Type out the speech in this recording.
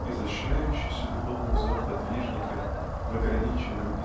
Изощряющийся духовный взор подвижника в ограниченном